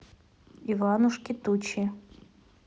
иванушки тучи